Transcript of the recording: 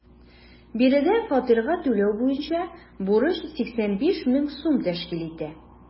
Биредә фатирга түләү буенча бурыч 85 мең сум тәшкил итә.